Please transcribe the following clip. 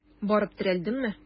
Барып терәлдеңме?